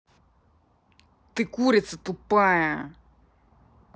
ты курица тупая